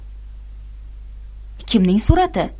kimning surati